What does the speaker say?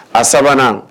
A sabanan